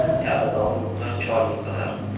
chala dovruqqa chol yiqilar